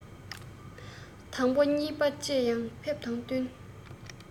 དང པོ ཉེས པ བཅའ ཡང ཕེབས དང བསྟུན